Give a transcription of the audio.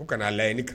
Ko kan'a la yɛ ni k